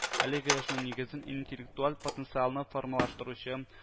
Әлеге эшнең нигезен интелектуаль потенциалны формалаштыручы